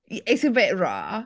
I- it's a bit rah.